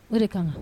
O de ka na